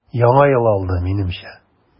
Яңа ел алды, минемчә.